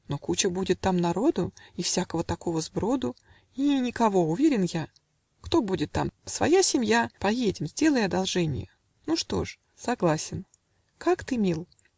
- "Но куча будет там народу И всякого такого сброду. "- И, никого, уверен я! Кто будет там? своя семья. Поедем, сделай одолженье! Ну, что ж? - "Согласен". - Как ты мил!